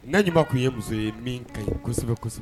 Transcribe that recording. N ɲuman tun ye muso ye min kasɛbɛsɛbɛ